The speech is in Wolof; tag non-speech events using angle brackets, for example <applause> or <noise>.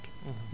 <hesitation> <hesitation>